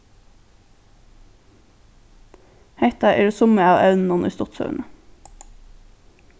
hetta eru summi av evnunum í stuttsøguni